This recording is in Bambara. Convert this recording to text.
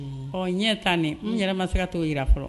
Ɔ ɲɛ t'a nin n yɛrɛ ma se t'o jira fɔlɔ